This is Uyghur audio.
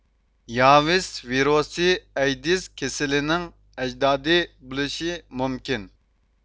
ياۋىس ۋىرۇسى ئەيدىز كېسىلىنىڭ ئەجدادى بولۇشى مۇمكىن